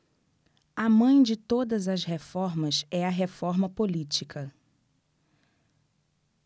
a mãe de todas as reformas é a reforma política